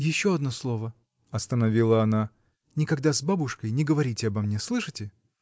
— Еще одно слово, — остановила она, — никогда с бабушкой не говорите обо мне, слышите?